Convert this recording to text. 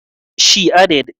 She added: